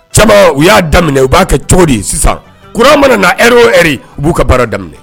Fɔlɔ u y'a daminɛ u b'a kɛ cogo di sisan, courant mana na heure o heure u b'u ka baara kɛ.